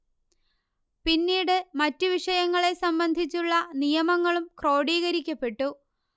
പിന്നീട് മറ്റു വിഷയങ്ങളെ സംബന്ധിച്ചുള്ള നിയമങ്ങളും ക്രോഡീകരിക്കപ്പെട്ടു